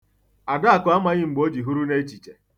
Adakụ amaghị mgbe o ji huru n'echiche.